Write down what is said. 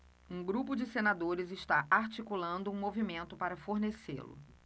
um grupo de senadores está articulando um movimento para fortalecê-lo